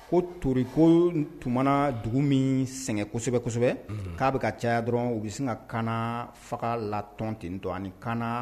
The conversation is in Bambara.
Ko tori ko tun mana dugu min sɛgɛn kɔsɛbɛ kɔsɛbɛ .ka bi ka caya dɔrɔn u bi sin ka kaana faga la tɔn ten tɔn ani kaana